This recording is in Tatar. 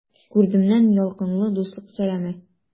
Күрдемнән ялкынлы дуслык сәламе!